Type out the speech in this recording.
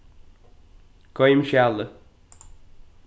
goym skjalið